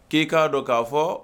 K'i k'a dɔn k'a fɔ